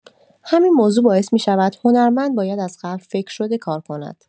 همین موضوع باعث می‌شود هنرمند باید از قبل فکرشده کار کند.